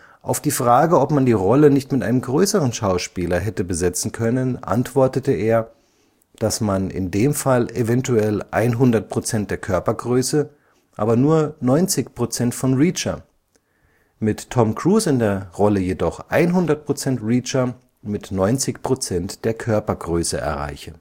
Auf die Frage, ob man die Rolle nicht mit einem größeren Schauspieler hätte besetzen können, antwortete er, dass man in dem Fall eventuell 100 % der Körpergröße, aber nur „ 90 % von Reacher “, mit Tom Cruise in der Rolle jedoch „ 100 % Reacher “mit 90 % der Körpergröße, erreiche